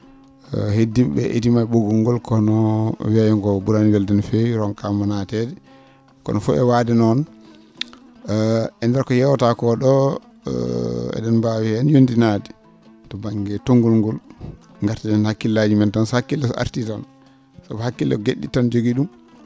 heddii?e ?ee etima e ?oggol ngol kono weeyo ngo ?uurani welde no feewi ronkama naatede kono fo e waade noon e ndeer ko yewta ko ?o e?en mbaawi heen yonndinaade to ba?nge tongol ngol ngartiren hakkillaji men tan so hakkille so arti tan sabu hakkille ko ge?e ?i?i tan jogii ?um